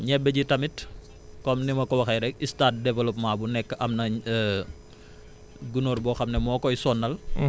voilà ñebe ji tamit comme ni ma ko waxee rek stade développement bu nekk am nañ gunóor boo xam ne moo koy sonal